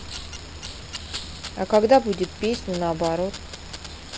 а когда будет песня наоборот